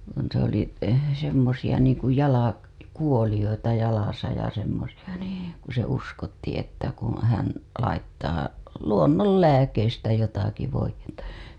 kun se oli semmoisia niin kuin - jalkakuolioita jalassa ja semmoisia niin kun - se uskottiin että kun hän laittaa luonnonlääkkeistä jotakin voidetta